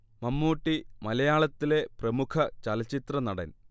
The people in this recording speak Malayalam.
മമ്മൂട്ടി മലയാളത്തിലെ പ്രമുഖ ചലച്ചിത്രനടൻ